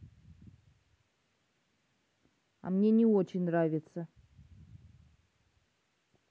а мне не очень нравится